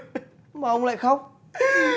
mà ông lại khóc